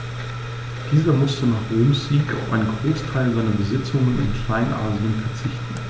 Dieser musste nach Roms Sieg auf einen Großteil seiner Besitzungen in Kleinasien verzichten.